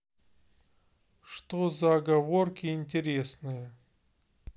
что за отговорки интересные